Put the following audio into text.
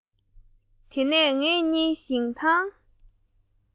དེ ནས ངེད གཉིས ཞིང ཐང